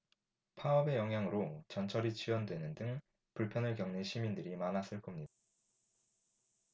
파업의 영향으로 전철이 지연되는 등 불편을 겪은 시민들이 많았을 겁니다